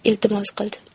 iltimos qildi